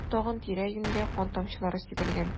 Тагын тирә-юньгә кан тамчылары сибелгән.